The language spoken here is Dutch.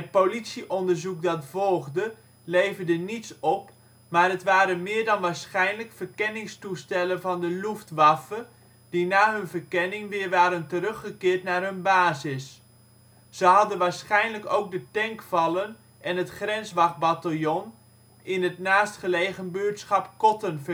politieonderzoek dat volgde leverde niets op maar het waren meer dan waarschijnlijk verkenningstoestellen van de Luftwaffe, die na hun verkenning weer waren teruggekeerd naar hun basis. Ze hadden waarschijnlijk ook de tankvallen en het grenswachtbataljon in het naast gelegen buurtschap Kotten